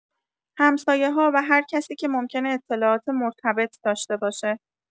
همسایه‌ها و هر کسی که ممکنه اطلاعات مرتبط داشته باشه